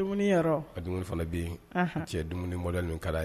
Dumuni yɛrɛ a dumuni fana bɛ yen cɛ dumuni bɔ ninnu kala ye